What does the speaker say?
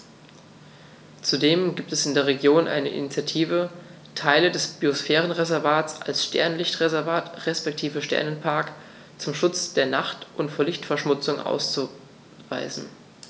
Zudem gibt es in der Region eine Initiative, Teile des Biosphärenreservats als Sternenlicht-Reservat respektive Sternenpark zum Schutz der Nacht und vor Lichtverschmutzung auszuweisen.